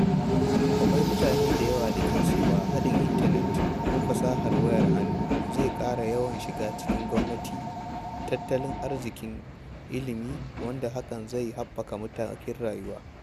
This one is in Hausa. Akwai mutane da yawa da ke cewa haɗin Intanet da/ko fasahar wayar hannu zai ƙara yawan shiga cikin gwamnati, tattalin arziki, ilimi, wanda hakan zai haɓaka matakin rayuwa.